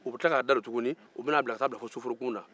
u bɛn'a dadon tuguni u bɛn'a bila fo soforokun na